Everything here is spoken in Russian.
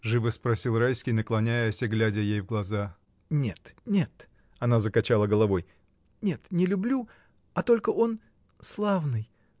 — живо спросил Райский, наклоняясь и глядя ей в глаза. — Нет, нет! — Она закачала головой. — Нет, не люблю, а только он. славный!